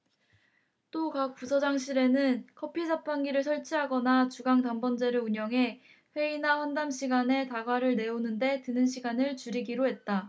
또 각 부서장실에는 커피자판기를 설치하거나 주간 당번제를 운영해 회의나 환담 시간에 다과를 내오는 데 드는 시간을 줄이기로 했다